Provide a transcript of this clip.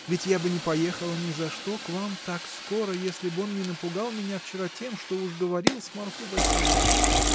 Ведь я бы не поехала ни за что к вам так скоро, если б он не напугал меня вчера тем, что уж говорил с Марфой Васильевной.